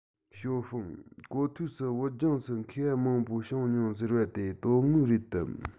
ཞའོ ཧྥུང གོ ཐོས སུ བོད ལྗོངས སུ མཁས པ མང པོ བྱུང མྱོང ཟེར བ དེ དོན དངོས རེད དམ